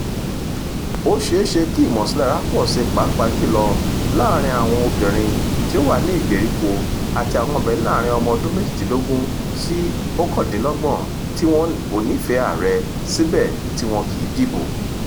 Ó ṣeéṣe kí ìmọ̀sílára pọ̀ sí pàápàá jùlọ láàrin àwọn obìnrin tí ó wà ní ìgbèríko àti àwọn ọmọbìnrin láàrin ọmọ ọdún méjìdínlógún sí óòkandínlọ́gbọ̀n tí wọ́n ò nífẹ̀ẹ́ ààrẹ, síbẹ̀ tí wọ́n kìí dìbò.”